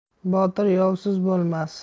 botir yovsiz bo'lmas